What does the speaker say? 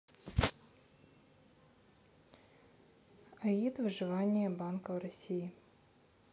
аид выживание банка в россии